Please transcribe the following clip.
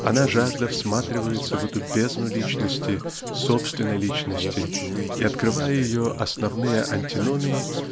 она жадно всматривается в эту бездну личности--собственной личности!-- и открывая ее основные антиномии